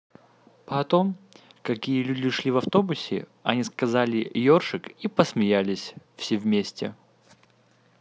потом какие люди шли в автобусе они сказали йоршик и посмеялись все вместе